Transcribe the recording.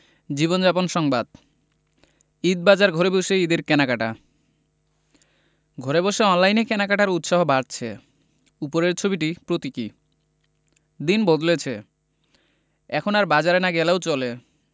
জীবনযাপন সংবাদ ঈদবাজার ঘরে বসেই ঈদের কেনাকাটা ঘরে বসে অনলাইনে কেনাকাটায় উৎসাহ বাড়ছে উপরের ছবিটি প্রতীকী দিন বদলেছে এখন আর বাজারে না গেলেও চলে